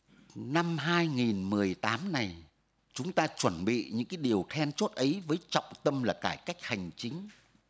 năm hai nghìn mười tám này chúng ta chuẩn bị những cái điều then chốt ấy với trọng tâm là cải cách hành chính